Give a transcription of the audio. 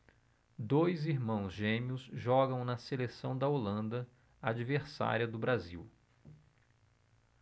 dois irmãos gêmeos jogam na seleção da holanda adversária do brasil